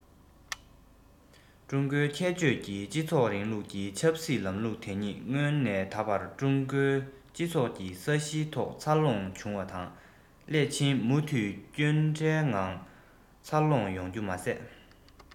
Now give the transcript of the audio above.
ཀྲུང གོའི ཁྱད ཆོས ཀྱི སྤྱི ཚོགས རིང ལུགས ཀྱི ཆབ སྲིད ལམ ལུགས དེ ཉིད སྔོན ནས ད བར ཀྲུང གོའི སྤྱི ཚོགས ཀྱི ས གཞིའི ཐོག འཚར ལོངས བྱུང བ དང སླད ཕྱིན མུ མཐུད སྐྱོན བྲལ ངང འཚར ལོངས ཡོང རྒྱུ མ ཟད